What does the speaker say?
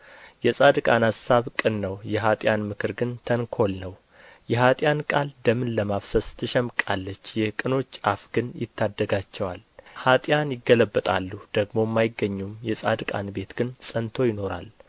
የጻድቃን አሳብ ቅን ነው የኃጥኣን ምክር ግን ተንኰል ነው የኃጥኣን ቃል ደምን ለማፍሰስ ትሸምቃለች የቅኖች አፍ ግን ይታደጋቸዋል ኀጥኣን ይገለበጣሉ ደግሞም አይገኙም የጻድቃን ቤት ግን ጸንቶ ይኖራል